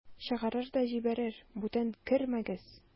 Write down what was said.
Чыгарыр да җибәрер: "Бүтән кермәгез!"